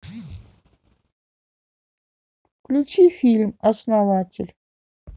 включи фильм основатель